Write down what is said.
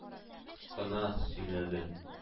Кына сөйләде